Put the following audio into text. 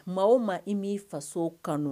Maa o ma i m'i faso kanu